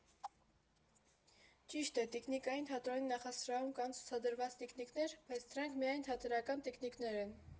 Ճիշտ է, Տիկնիկային թատրոնի նախասրահում կան ցուցադրված տիկնիկներ, բայց դրանք միայն թատերական տիկնիկներ են։